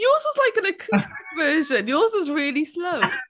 Yours was like an acoustic version. Yours was really slow!